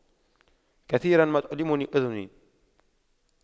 كثيرا ما تؤلمني أذني